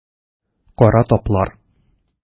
Кара таплар.